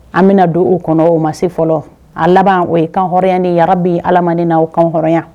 An bɛna don o kɔnɔ o ma se fɔlɔ, a laban o ye kan hɔrɔnyali ye yarabi Ala ma ne ni aw kan hɔrɔnya.